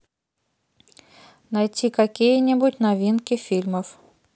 найти какие нибудь новинки фильмов